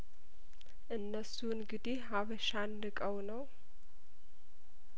እነሱ እንግዲህ ሀበሻንን ቀው ነው